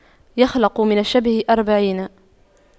يخلق من الشبه أربعين